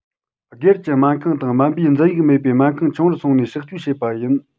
སྒེར གྱི སྨན ཁང དང སྨན པའི འཛིན ཡིག མེད པའི སྨན ཁང ཆུང བར སོང ནས གཤགས བཅོས བྱེད པ ཡིན